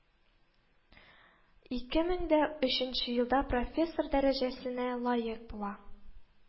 Ике мең дә өченче елда профессор дәрәҗәсенә лаек була